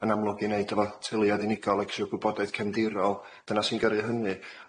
yn amlwg i neud efo teuluoedd unigol ac isio gwybodaeth cefndirol dyna sy'n gyrru hynny.